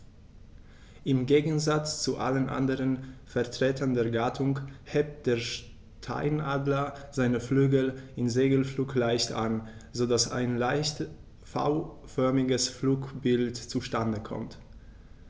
Im Gegensatz zu allen anderen Vertretern der Gattung hebt der Steinadler seine Flügel im Segelflug leicht an, so dass ein leicht V-förmiges Flugbild zustande kommt.